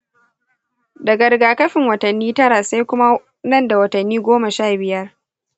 daga rigakafin watanni tara sai kuma nanda watanni goma sha biyar.